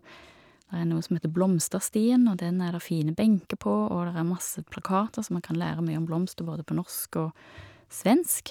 Der er noe som heter blomsterstien, og den er der fine benker på, og der er masse plakater, så man kan lære mye om blomster, både på norsk og svensk.